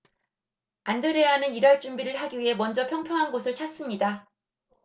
안드레아는 일할 준비를 하기 위해 먼저 평평한 곳을 찾습니다